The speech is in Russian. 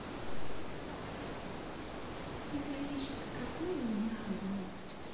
ты горишека какой у меня огонь